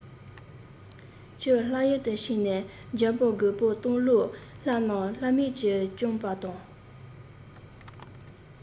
ཁྱོད ལྷ ཡུལ དུ ཕྱིན ནས འཇོན པོ རྒོས པོ བཏང ལུགས ལྷ རྣམས ལྷ མིན གྱིས བཅོམ པ དང